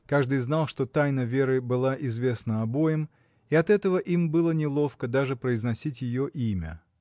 Каждый знал, что тайна Веры была известна обоим, и от этого им было неловко даже произносить ее имя.